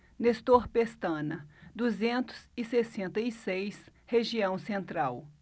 nestor pestana duzentos e sessenta e seis região central